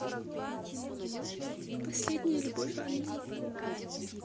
последняя любовь ангела